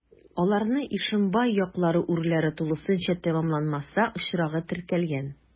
Аларны Ишембай яклары урләре тулысынча тәмамланмаса очрагы теркәлгән.